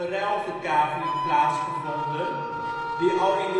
ruilverkaveling plaatsgevonden, die al in